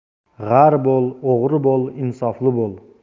g'ar bo'l o'g'ri bo'l insofli bo'l